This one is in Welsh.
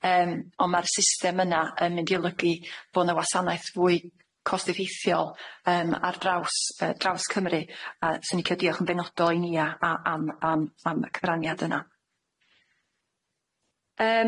yym on' ma'r system yna yn mynd i olygu bo' 'na wasanaeth fwy cost-effeithiol yym ar draws yy draws Cymru yy 'swn i'n licio diolch yn benodol i Nia a- am am am y cyfraniad yna.